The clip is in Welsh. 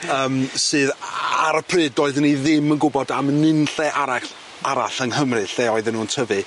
Yym sydd a- ar y pryd doeddwn ni ddim yn gwbod am nunlle arall arall yng Nghymru lle oedden nw'n tyfu.